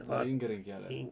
a inkerin kielellä